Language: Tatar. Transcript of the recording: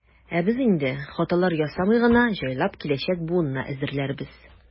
Ә без инде, хаталар ясамый гына, җайлап киләчәк буынны әзерләрбез.